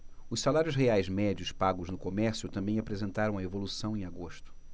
os salários reais médios pagos no comércio também apresentaram evolução em agosto